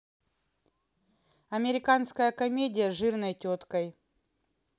американская комедия с жирной теткой